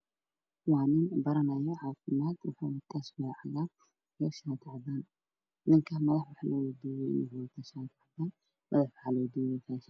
Waa nin baranaayo caafimaad wuxuuna taaj ahaan madaxa ugu xirayaa kuakle maro cad